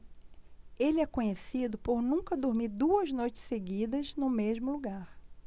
ele é conhecido por nunca dormir duas noites seguidas no mesmo lugar